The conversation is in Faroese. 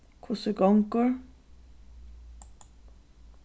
hvussu gongur